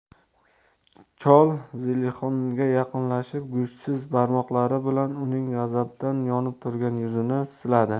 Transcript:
chol zelixonga yaqinlashib go'shtsiz barmoqlari bilan uning g'azabdan yonib turgan yuzini siladi